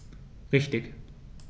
Richtig